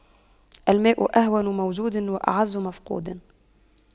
الماء أهون موجود وأعز مفقود